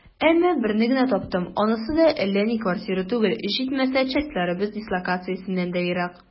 Әмма берне генә таптым, анысы да әллә ни квартира түгел, җитмәсә, частьләребез дислокациясеннән дә ерак.